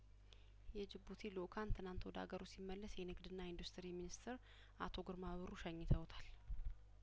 የጅቡቲ ልኡካን ትናንት ወደ አገሩ ሲመለስ የንግድና ኢንዱስትሪ ሚኒስተር አቶ ግርማ ብሩ ሸኝተውታል